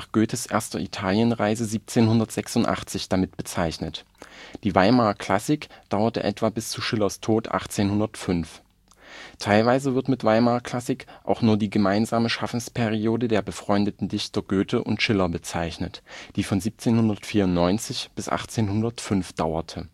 Goethes erster Italienreise 1786 damit bezeichnet. Die Weimarer Klassik dauerte etwa bis zu Schillers Tod 1805. Teilweise wird mit Weimarer Klassik auch nur die gemeinsame Schaffensperiode der befreundeten Dichter Goethe und Friedrich Schiller bezeichnet, die von 1794 bis 1805 dauerte